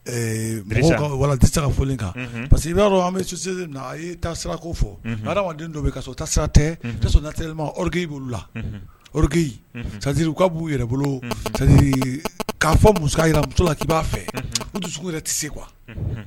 Se ka foli kan parce que i bɛ susi a ta sirako fɔ adamaden dɔ bɛtɛ laki ka b'u yɛrɛ bolo k'a fɔ mu jira musola k' b'a fɛ sugu yɛrɛ tɛ se kuwa